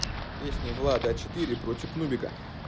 песня влада а четыре против нубика